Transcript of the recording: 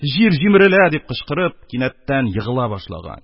Җир җимерелә!» — дип кычкырып, кинәттән егыла башлаган.